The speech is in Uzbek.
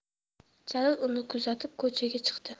jalil uni kuzatib ko'chaga chiqdi